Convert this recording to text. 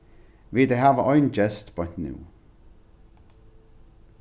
vit hava ein gest beint nú